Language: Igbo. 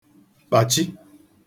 kpàchi